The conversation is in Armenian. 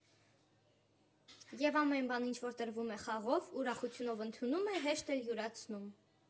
Եվ ամեն բան, ինչ որ տրվում է խաղով, ուրախությունով ընդունում է, հեշտ էլ յուրացնում»։